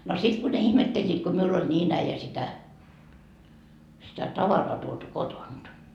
no sitten kun ne ihmettelivät kun minulla oli niin äijä sitä sitä tavaraa tuotu kotoa